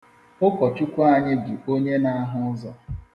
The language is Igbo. Ụkọchukwu anyi bụ onye na-ahụ uzọ.